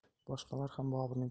boshqalar ham boburning